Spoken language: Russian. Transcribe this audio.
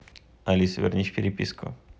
алиса вернись в переписку